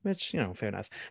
Which you know fair enough.